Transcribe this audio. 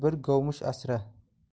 bir govmish asra